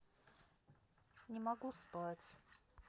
не могу спать